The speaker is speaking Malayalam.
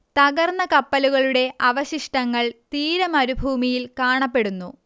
തകർന്ന കപ്പലുകളുടെ അവശിഷ്ടങ്ങൾ തീര മരുഭൂമിയിൽ കാണപ്പെടുന്നു